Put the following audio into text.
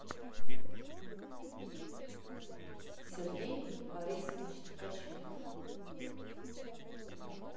сергей борисович ткачев